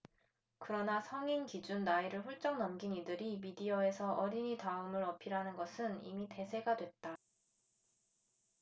그러나 성인 기준 나이를 훌쩍 넘긴 이들이 미디어에서 어린이 다움을 어필하는 것은 이미 대세가 됐다